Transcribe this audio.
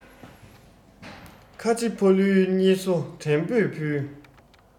ཁ ཆེ ཕ ལུའི བསྙེལ གསོ དྲན པོས ཕུལ